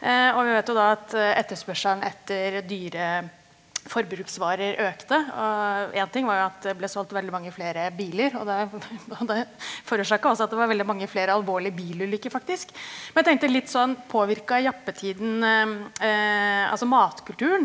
og vi vet jo da at etterspørselen etter dyre forbruksvarer økte, og én ting var jo at det ble solgt veldig mange flere biler, og det og det forårsaka også at det var veldig mange flere alvorlige bilulykker faktisk, men jeg tenkte litt sånn, påvirka jappetiden altså matkulturen?